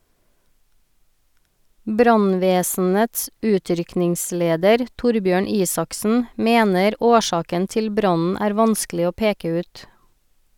Brannvesenets utrykningsleder Torbjørn Isaksen mener årsaken til brannen er vanskelig å peke ut.